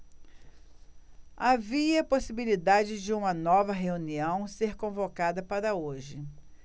havia possibilidade de uma nova reunião ser convocada para hoje